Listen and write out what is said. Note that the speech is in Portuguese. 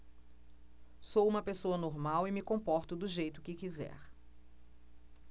sou homossexual e me comporto do jeito que quiser